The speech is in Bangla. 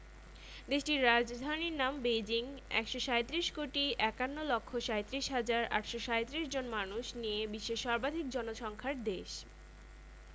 এশিয়া মহাদেশের মদ্ধ্য দক্ষিনে ভারতের অবস্থানএর উত্তরে রয়েছে পৃথিবীর বৃহত্তম হিমালয় পর্বতমালা পূর্বাঞ্চলে আরাকান পর্বত ও আসামপশ্চিমাঞ্চলে হিন্দুকুশ ও সুলেমান পর্বতমালা